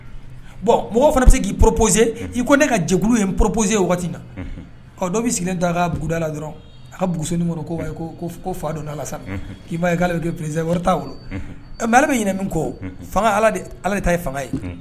Bɔn mɔgɔ fana bɛ se k'i ppzse i ko ne ka jɛkulu ye ppzse waati na dɔw bɛ sigilen da ka bugudala dɔrɔn ka busnin kɔnɔ ko fa don ala k'i'ale pze wɛrɛ t'a bolo mɛ ala bɛ ɲini min ko ala ta ye fanga ye